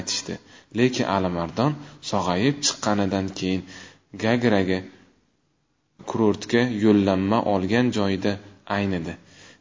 lekin alimardon sog'ayib chiqqanidan keyin gagraga kurortga yollanma olgan joyida aynidi